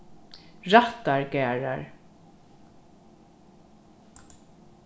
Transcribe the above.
rættargarðar